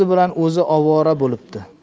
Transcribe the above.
bilan o'zi ovora bo'libdi